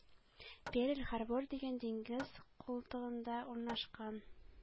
Перл-Харбор дигән диңгез култыгында урнашкан